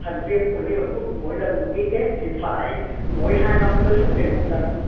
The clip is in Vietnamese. thành viên của liên hiệp quốc mỗi lần ký kết thì phải mỗi hai năm tới phúc trình một lần